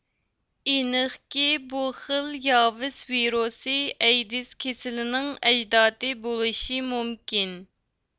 ئېنىقكى بۇ خىل ياۋىس ۋىرۇسى ئەيدىز كېسىلىنىڭ ئەجدادى بولۇشى مۇمكىن